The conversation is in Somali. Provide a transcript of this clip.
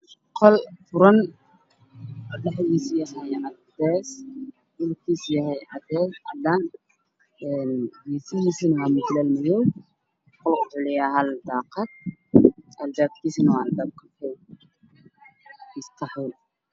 Qol dhexdiisa yahay cadaan geesiisan yihiin cadaan waxaa dhex yaalla shano cadaan ah iyo armadjo midabkeedu yahay madow